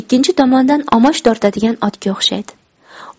ikkinchi tomondan omoch tortadigan otga o'xshaydi